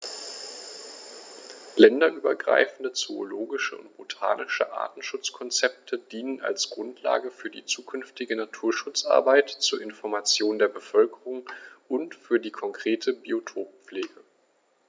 Länderübergreifende zoologische und botanische Artenschutzkonzepte dienen als Grundlage für die zukünftige Naturschutzarbeit, zur Information der Bevölkerung und für die konkrete Biotoppflege.